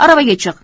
aravaga chiq